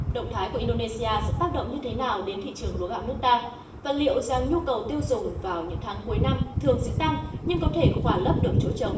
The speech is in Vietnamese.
động thái của in đô nê xi a sẽ tác động như thế nào đến thị trường lúa gạo nước ta và liệu rằng nhu cầu tiêu dùng vào những tháng cuối năm thường sẽ tăng nhưng có thể khỏa lấp được chỗ trống